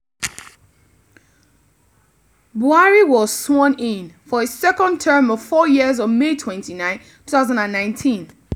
Buhari was sworn-in for a second term of four years on May 29, 2019.